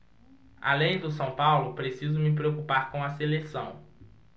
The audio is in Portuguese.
além do são paulo preciso me preocupar com a seleção